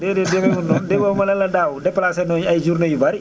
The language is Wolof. déedéet demeewul noonu déggoo ma ne la daaw déplacé nañ ay journée yu bari